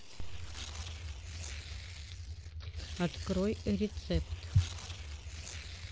открой рецепт